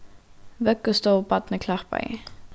vøggustovubarnið klappaði